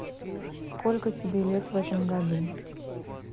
сколько тебе лет в этом году